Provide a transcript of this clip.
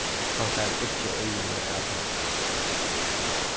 hann fær ikki eyguni av henni